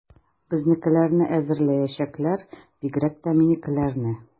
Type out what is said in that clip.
Безнекеләрне эзәрлекләячәкләр, бигрәк тә минекеләрне.